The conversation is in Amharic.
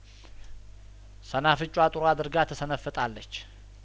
ሰናፍጯ ጥሩ አድርጋ ትሰነፍጣለች